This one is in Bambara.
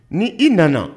Ni i nana